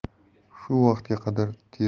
shu vaqtga qadar termiz